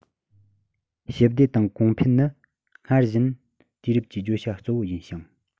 ཞི བདེ དང གོང འཕེལ ནི སྔར བཞིན དུས རབས ཀྱི བརྗོད བྱ གཙོ བོ ཡིན ཞིང